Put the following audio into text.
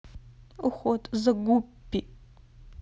уход за гуппи